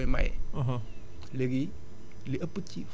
maanaam dafa jël benn phosphate bu nga xamnte ni da koy maye